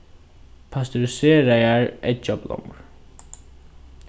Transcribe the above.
pasteuriseraðar eggjablommur